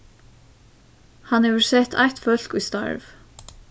hann hevur sett eitt fólk í starv